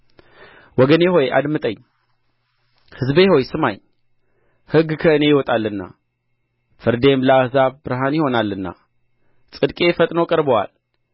ወገኔ ሆይ አድምጠኝ ሕዝቤ ሆይ ስማኝ ሕግ ከእኔ ይወጣልና ፍርዴም ለአሕዛብ ብርሃን ይሆናልና ጽድቄ ፈጥኖ ቀርቦአል